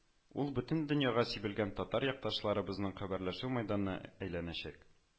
Ул бөтен дөньяга сибелгән татар якташларыбызның хәбәрләшү мәйданына әйләнәчәк